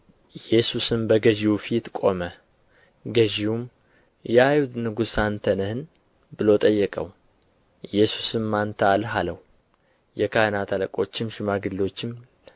ኢየሱስም በገዢው ፊት ቆመ ገዢውም የአይሁድ ንጉሥ አንተ ነህን ብሎ ጠየቀው ኢየሱስም አንተ አልህ አለው የካህናት አለቆችም ሽማግሎችም